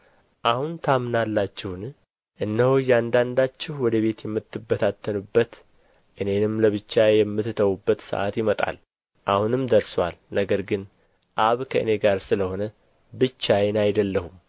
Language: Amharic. አሁን ታምናላችሁን እነሆ እያንዳንዳችሁ ወደ ቤት የምትበታተኑበት እኔንም ለብቻዬ የምትተዉበት ሰዓት ይመጣል አሁንም ደርሶአል ነገር ግን አብ ከእኔ ጋር ስለ ሆነ ብቻዬን አይደለሁም